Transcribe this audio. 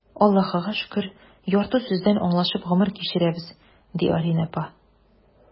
Аллаһыга шөкер, ярты сүздән аңлашып гомер кичерәбез,— ди Алинә апа.